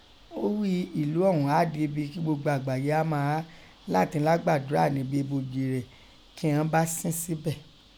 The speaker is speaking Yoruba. Ọ́ ghí i ílú ọ̀ún áá di ibi kí gbogbo agbaye áá má a há, latin lá gbadọ́ra nibi eboji rẹ, kíghọn bá sin sẹ́bẹ̀.